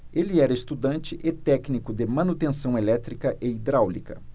ele era estudante e técnico de manutenção elétrica e hidráulica